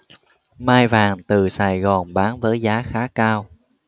mai vàng từ sài gòn bán với giá khá cao